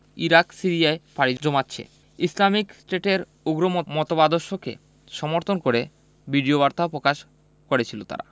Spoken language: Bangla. ইরাক সিরিয়ায় পাড়ি জমাচ্ছে ইসলামিক স্টেটের উগ্র মত মতবাদরশকে সমর্থন করে ভিডিওবার্তা প্রকাশ করছিল তারা